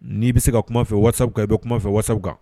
N'i bɛ se ka kuma fɛ waasa kan i bɛ kuma fɛ waasaw kan